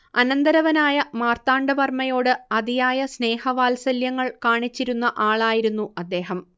അനന്തരവനായ മാർത്താണ്ഡവർമ്മയോട് അതിയായ സ്നേഹവാത്സല്യങ്ങൾ കാണിച്ചിരുന്ന ആളായിരുന്നു അദേഹം